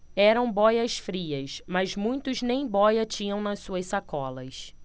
eram bóias-frias mas muitos nem bóia tinham nas suas sacolas